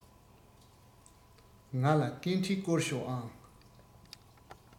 ང ལ སྐད འཕྲིན བསྐུར ཤོག ཨང